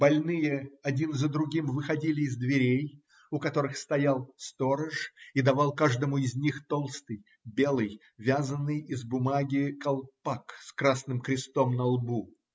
Больные один за другим выходили из дверей, у которых стоял сторож и давал каждому из них толстый белый, вязанный из бумаги колпак с красным крестом на лбу.